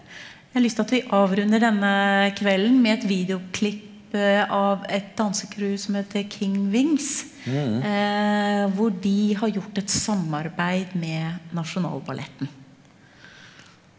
jeg har lyst at vi avrunder denne kvelden med et videoklipp av et dansecrew som heter King Wings hvor de har gjort et samarbeid med Nasjonalballetten.